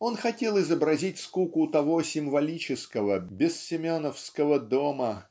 Он хотел изобразить скуку того символического безсеменовского дома